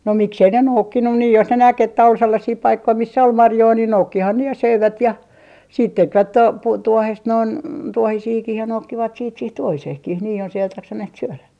no miksi ei ne noukkinut niin jos ne näki että oli sellaisia paikkoja missä oli marjoja niin noukkihan ne ja söivät ja sitten tekivät -- tuohesta noin tuohisiakin ja noukkivat sitten siihen tuohiseenkin niin jos eivät jaksaneet syödä